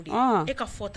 Jɔn, e ka fɔta.